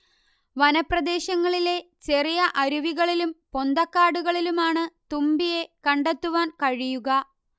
വനപ്രദേശങ്ങളിലെ ചെറിയ അരുവികളിലും പൊന്തക്കാടുകളിലുമാണ് തുമ്പിയെ കണ്ടെത്തുവാൻ കഴിയുക